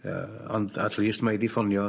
yy ond at least mae di ffonio...